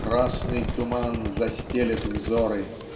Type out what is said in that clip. красный туман застелет взоры